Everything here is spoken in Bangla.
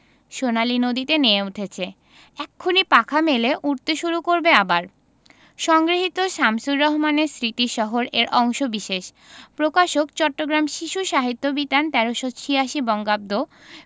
সোনালি নদীতে নেয়ে উঠেছে এক্ষুনি পাখা মেলে উড়তে শুরু করবে আবার সংগৃহীত শামসুর রাহমানের স্মৃতির শহর এর অংশবিশেষ প্রকাশকঃ চট্টগ্রাম শিশু সাহিত্য বিতান ১৩৮৬ বঙ্গাব্দ